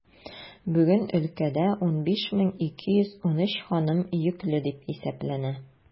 Бүген өлкәдә 15213 ханым йөкле дип исәпләнә.